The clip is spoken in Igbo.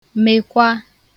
mekwa